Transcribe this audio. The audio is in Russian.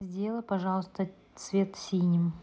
сделай пожалуйста цвет синим